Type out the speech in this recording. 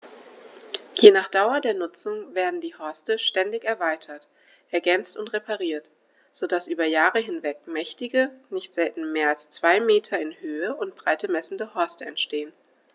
Je nach Dauer der Nutzung werden die Horste ständig erweitert, ergänzt und repariert, so dass über Jahre hinweg mächtige, nicht selten mehr als zwei Meter in Höhe und Breite messende Horste entstehen.